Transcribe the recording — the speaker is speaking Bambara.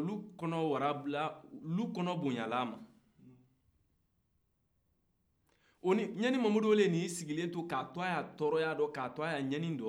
du kɔnɔ wara la du kɔnɔ bɔnyana a ma oni ɲani mamadu de y'i sigilen to k'a to a k'a ɲani la k'a to a k'a tɔrɔya la